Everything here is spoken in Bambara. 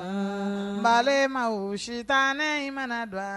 Annn balemaw sitanɛ in mana do a